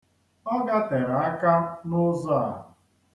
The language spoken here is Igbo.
Ọ gatere aka n'ụzọ a.